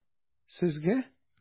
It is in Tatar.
Сезгә?